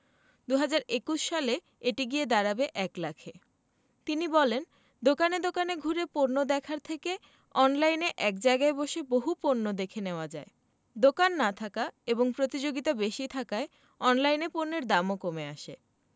২০২১ সালে এটি গিয়ে দাঁড়াবে ১ লাখে তিনি বলেন দোকানে দোকানে ঘুরে পণ্য দেখার থেকে অনলাইনে এক জায়গায় বসে বহু পণ্য দেখে নেওয়া যায় দোকান না থাকা এবং প্রতিযোগিতা বেশি থাকায় অনলাইনে পণ্যের দামও কমে আসে